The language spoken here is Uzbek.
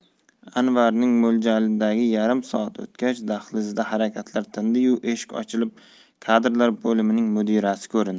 anvarning mo'ljalidagi yarim soat o'tgach dahlizdagi harakatlar tindi yu eshik ochilib kadrlar bo'limining mudirasi ko'rindi